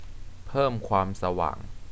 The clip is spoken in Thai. เพิ่มความสว่าง